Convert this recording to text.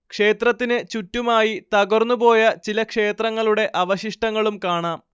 ക്ഷേത്രത്തിന് ചുറ്റുമായി തകർന്നുപോയ ചില ക്ഷേത്രങ്ങളുടെ അവശിഷ്ടങ്ങളും കാണാം